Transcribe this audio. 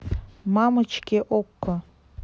мамочки окко